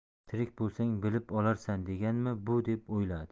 tirik bo'lsang bilib olarsan deganimi bu deb o'yladi